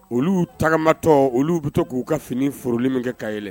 Olu tagamatɔ olu bɛ to k'u ka fini forili min kɛ